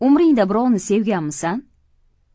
umringda birovni sevganmisan